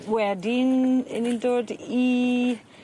Wedyn 'yn ni'n dod i ...